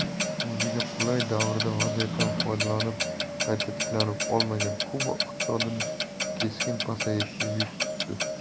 o'ziga qulay davrda vaziyatdan foydalanib qayta tiklanib olmagan kuba iqtisodiyoti keskin pasayishga yuz tutdi